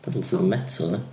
Pedal to the metal ia?